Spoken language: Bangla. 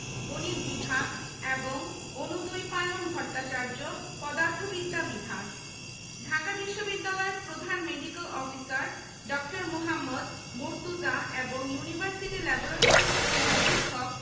হিন্দু সম্প্রদায়ের প্রবল বিরোধিতার মুখে এ বিভক্তি রদ করা হলে মুসলমান সমাজ একে তাদের অগ্রযাত্রায় একটি বড় ধরনের আঘাত বলে মনে করে